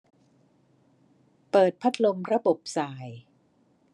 เปิดพัดลมระบบส่าย